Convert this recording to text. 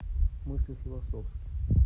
мысли философски